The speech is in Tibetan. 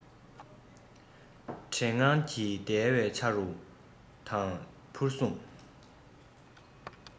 བྲེད དངངས ཀྱིས བརྡལ བའི ཆ རུ དང ཕུར ཟུངས